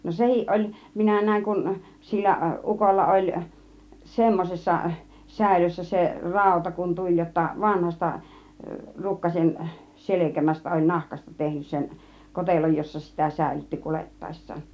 no sekin oli minä näin kun sillä ukolla oli semmoisessa säilössä se rauta kun tuli jotta vanhasta rukkasen selkämästä oli nahasta tehnyt sen kotelon jossa sitä säilytti kuljettaessaan